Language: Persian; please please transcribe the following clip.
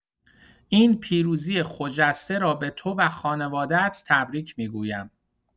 این پیروزی خجسته را به تو و خانواده‌ات تبریک می‌گویم.